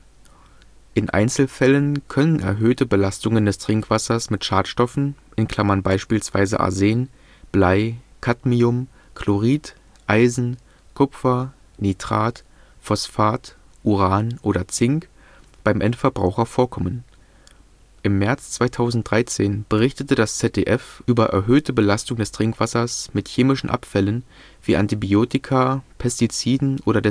Einzelfällen können erhöhte Belastungen des Trinkwassers mit Schadstoffen (beispielsweise Arsen, Blei, Cadmium, Chlorid, Eisen, Kupfer, Nitrat, Phosphat, Uran, Zink) beim Endverbraucher vorkommen. Im März 2013 berichtete das ZDF über erhöhte Belastung des Trinkwassers mit chemischen Abfällen wie Antibiotika, Pestiziden oder